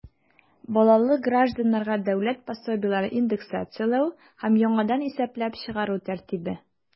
Балалы гражданнарга дәүләт пособиеләрен индексацияләү һәм яңадан исәпләп чыгару тәртибе.